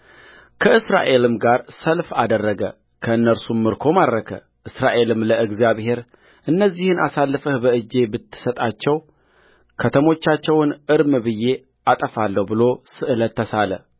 ከእስራኤልም ጋር ሰልፍ አደረገ ከእነርሱም ምርኮ ማረከእስራኤልም ለእግዚአብሔር እነዚህን አሳልፈህ በእጄ ብትሰጣቸው ከተሞቻቸውን እርም ብዬ አጠፋለሁ ብሎ ስእለት ተሳለ